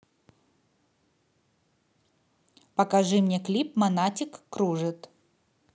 покажи мне клип монатик кружит